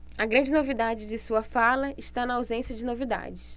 a grande novidade de sua fala está na ausência de novidades